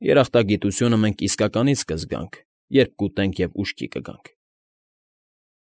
Երախտագիտությունը մենք իսկականից կզգանք, երբ կուտենք և ուշքի կգանք։